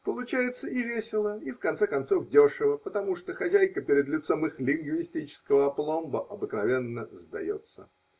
Получается и весело, и, в конце концов, дешево, потому что хозяйка перед лицом их лингвистического апломба обыкновенно сдается.